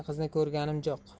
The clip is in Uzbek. qizni ko'rganim jo'q